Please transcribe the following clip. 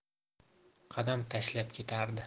qadam tashlab ketardi